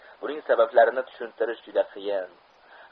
buning sabablarini tushuntirish juda qiyin